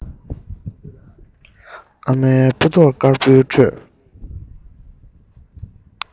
ཨ མའི སྤུ མདོག དཀར པོའི ཁྲོད